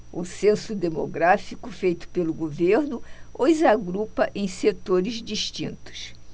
o censo demográfico feito pelo governo os agrupa em setores distintos